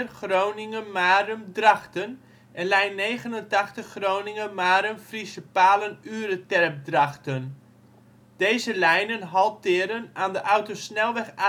Groningen - Marum - Drachten en lijn 89 Groningen - Marum - Frieschepalen - Ureterp - Drachten. Deze lijnen halteren aan de autosnelweg A7